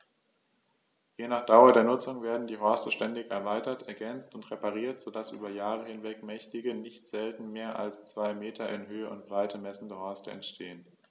Je nach Dauer der Nutzung werden die Horste ständig erweitert, ergänzt und repariert, so dass über Jahre hinweg mächtige, nicht selten mehr als zwei Meter in Höhe und Breite messende Horste entstehen.